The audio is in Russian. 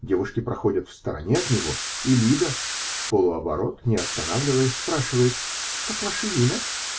Девушки проходят в стороне от него, и Лида в полуоборот, не останавливаясь, спрашивает: -- Как ваше имя?